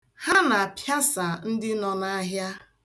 Ha na-apịasa ndị nọ n'ahịa.